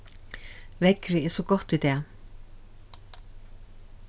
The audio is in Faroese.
veðrið er so gott í dag